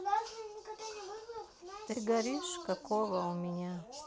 ты горишь какого у меня